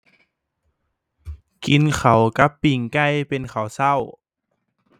กินข้าวกับปิ้งไก่เป็นข้าวเช้า